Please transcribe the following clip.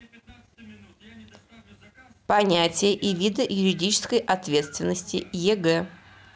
понятие и виды юридической ответственности егэ